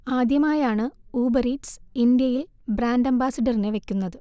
ആദ്യമായാണ് Uber Eats ഇന്ത്യയിൽ brand അംബാസഡറിനെ വയ്ക്കുന്നത്